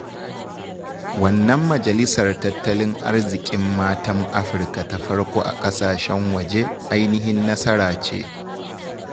Wannan Majalisar Tattalin Arzikin Matan Afirka ta farko a ƙasashen waje ainihin nasara ce.